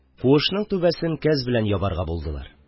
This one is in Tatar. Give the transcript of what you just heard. Куышның түбәсен кәс белән ябарга булдылар.